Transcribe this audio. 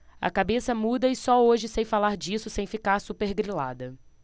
a cabeça muda e só hoje sei falar disso sem ficar supergrilada